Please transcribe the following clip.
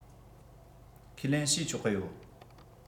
ཁས ལེན བྱས ཆོག གི ཡོད